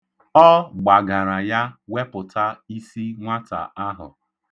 Ọ gbagara ya wepụta isi nwata ahụ.